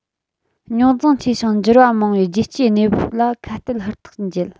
རྙོག འཛིང ཆེ ཞིང འགྱུར བ མང བའི རྒྱལ སྤྱིའི གནས བབ ལ ཁ གཏད ཧུར ཐག འཇལ